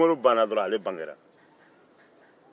sunkalo banna dɔrɔn ale bangera